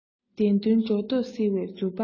བདེན དོན སྒྲོ འདོག སེལ བའི གཟུ པ ཡིན